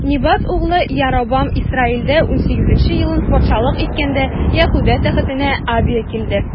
Небат углы Яробам Исраилдә унсигезенче елын патшалык иткәндә, Яһүдә тәхетенә Абия килде.